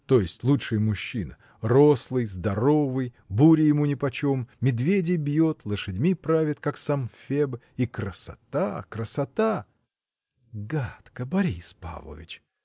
— То есть лучший мужчина: рослый, здоровый, буря ему нипочем, медведей бьет, лошадьми правит, как сам Феб, — и красота — красота! — Гадко, Борис Павлович!